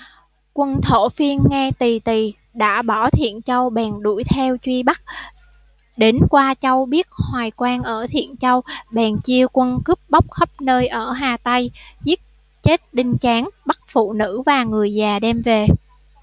quân thổ phiên nghe tì tì đã bỏ thiện châu bèn đuổi theo truy bắt đến qua châu biết hoài quang ở thiện châu bèn chia quân cướp bóc khắp nơi ở hà tây giết chết đinh tráng bắt phụ nữ và người già đem về